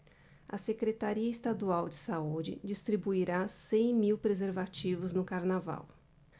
a secretaria estadual de saúde distribuirá cem mil preservativos no carnaval